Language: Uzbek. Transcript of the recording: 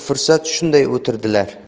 fursat shunday o'tirdilar